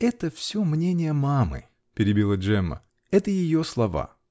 -- Это все -- мнение мамы, -- перебила Джемма, -- это ее слова.